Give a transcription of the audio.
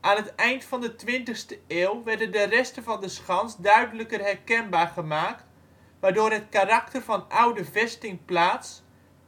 Aan het eind van de twintigste eeuw werden de resten van de schans duidelijker herkenbaar gemaakt waardoor het karakter van oude vestingplaats